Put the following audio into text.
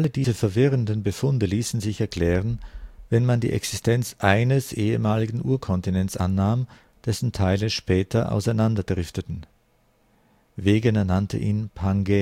diese verwirrenden Befunde ließen sich erklären, wenn man die Existenz eines ehemaligen Urkontinents annahm, dessen Teile später auseinander drifteten. Wegener nannte ihn Pangäa